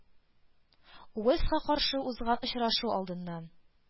Уэльска каршы узган очрашу алдыннан